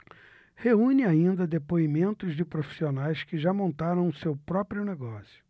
reúne ainda depoimentos de profissionais que já montaram seu próprio negócio